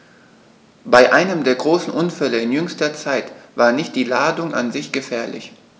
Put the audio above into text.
Bei einem der großen Unfälle in jüngster Zeit war nicht die Ladung an sich gefährlich.